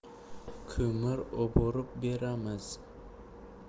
ko'mir oborib beramiz